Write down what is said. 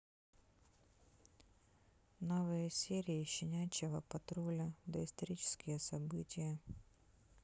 новые серии щенячего патруля доисторические события